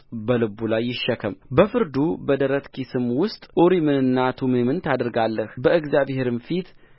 በልቡ ላይ ይሸከም በፍርዱ በደረት ኪስም ውስጥ ኡሪምንና ቱሚምን ታደርጋለህ በእግዚአብሔርም ፊት